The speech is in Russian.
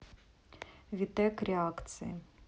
витек реакции